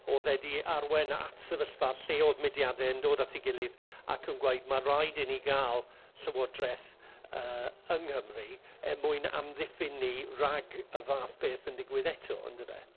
oedd e 'di arwain at sefyllfa lle oedd mydiadau yn dod at ei gilydd ac yn gweud, ma' raid i ni gael Llywodraeth yy yng Nghymru er mwyn amddiffyn ni rhag y fath beth yn digwydd eto yndyfe.